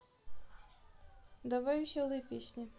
давай веселые песни